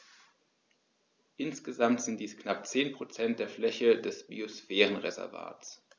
Insgesamt sind dies knapp 10 % der Fläche des Biosphärenreservates.